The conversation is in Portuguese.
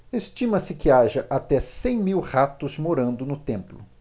estima-se que haja até cem mil ratos morando no templo